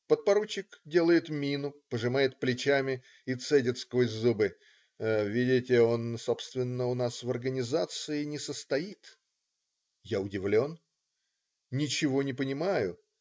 Подпоручик делает мину, пожимает плечами и цедит сквозь зубы: - "Видите, он, собственно, у нас в организации не состоит. " Я удивлен. Ничего не понимаю.